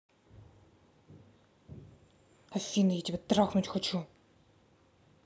афина я тебя трахнуть хочу